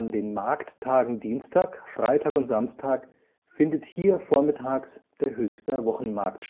den Markttagen Dienstag, Freitag und Samstag findet hier vormittags der Höchster Wochenmarkt